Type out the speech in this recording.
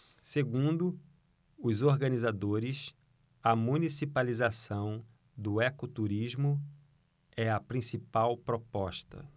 segundo os organizadores a municipalização do ecoturismo é a principal proposta